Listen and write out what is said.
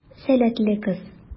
Сәләтле кыз.